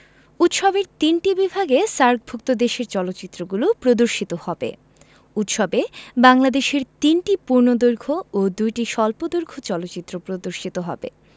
উৎসবের তিনটি বিভাগে সার্কভুক্ত দেশের চলচ্চিত্রগুলো প্রদর্শিত হবে উৎসবে বাংলাদেশের ৩টি পূর্ণদৈর্ঘ্য ও ২টি স্বল্পদৈর্ঘ্য চলচ্চিত্র প্রদর্শিত হবে